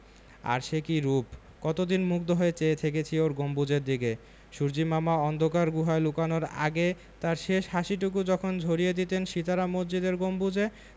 আর সে কি রুপ কতদিন মুগ্ধ হয়ে চেয়ে থেকেছি ওর গম্বুজের দিকে সূর্য্যিমামা অন্ধকার গুহায় লুকানোর আগে তাঁর শেষ হাসিটুকু যখন ঝরিয়ে দিতেন সিতারা মসজিদের গম্বুজে